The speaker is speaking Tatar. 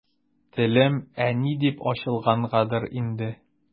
Телем «әни» дип ачылгангадыр инде.